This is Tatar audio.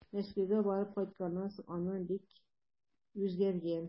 Мәскәүгә барып кайтканнан соң Анна бик үзгәргән.